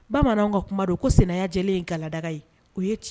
Bamananw ka kuma don ko sɛnɛya lajɛlen in kalada ye o ye tiɲɛ